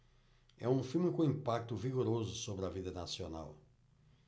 é um filme com um impacto vigoroso sobre a vida nacional